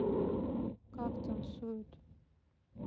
как танцуют